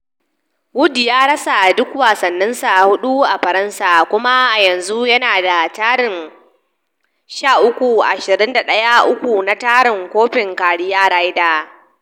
Woods ya rasa duk wasanninsa hudu a Faransa kuma yanzu yana da tarihin 13-21-3 na tarihin kofin career Ryder.